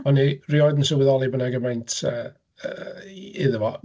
O'n i 'rioed yn sylweddoli bod 'na gymaint yy yy iddo fo.